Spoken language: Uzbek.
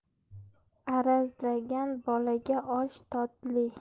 arazlagan bolaga osh totli